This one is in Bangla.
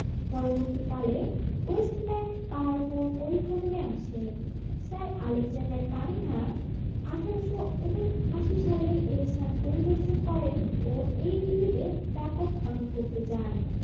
পরবর্তীকালে ওয়েস্টম্যাকট পাহাড়পুর পরিভ্রমণে আসেন স্যার আলেকজান্ডার কানিংহাম ১৮৭৯ সালে এ স্থান পরিদর্শন করেন ও এই ঢিবিতে ব্যাপক খনন করতে চান